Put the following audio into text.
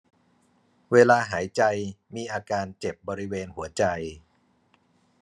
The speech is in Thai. เวลาหายใจมีอาการเจ็บบริเวณหัวใจ